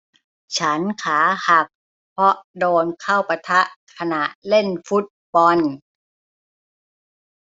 ฉันขาหักเพราะโดนเข้าปะทะขณะเล่นฟุตบอล